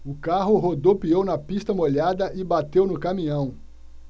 o carro rodopiou na pista molhada e bateu no caminhão